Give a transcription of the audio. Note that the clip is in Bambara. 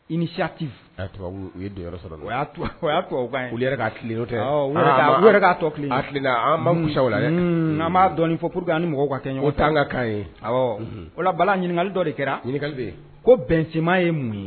I niyati u ye sɔrɔ k'a kile'a tɔlamusa la n'an'a dɔn fɔ p ani mɔgɔ ka kɛ tan ka kan ye wala bala ɲininkakali dɔ de kɛra ɲininkaka ko bɛnma ye mun ye